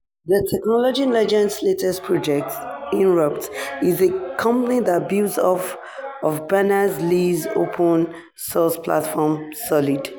The technology legend's latest project, Inrupt, is a company that builds off of Berners-Lee's open source platform Solid.